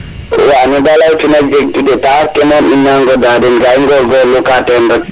wa nede leytuna jegtu de taxar ke moom ina ŋoda den ga i ngorngorlu ka ten rek